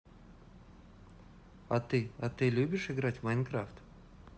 а ты а ты любишь играть в minecraft